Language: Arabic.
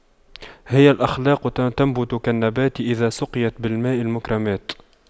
هي الأخلاق تنبت كالنبات إذا سقيت بماء المكرمات